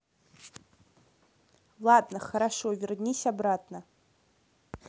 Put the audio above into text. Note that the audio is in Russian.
ладно хорошо вернись обратно